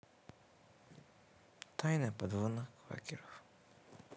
тайна подводных квакеров